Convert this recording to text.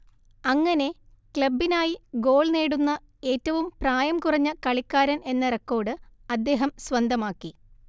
അങ്ങനെ ക്ലബ്ബിനായി ഗോൾ നേടുന്ന ഏറ്റവും പ്രായം കുറഞ്ഞ കളിക്കാരൻ എന്ന റെക്കോർഡ് അദ്ദേഹം സ്വന്തമാക്കി